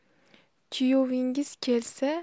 kuyovingiz kelsa